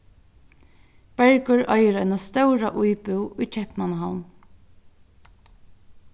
bergur eigur eina stóra íbúð í keypmannahavn